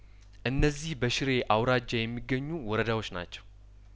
እነዚህ በሽሬ አውራጃ የሚገኙ ወረዳዎች ናቸው